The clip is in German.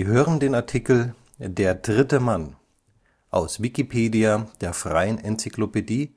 hören den Artikel Der dritte Mann, aus Wikipedia, der freien Enzyklopädie.